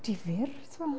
Difyr, ti'n gwbod?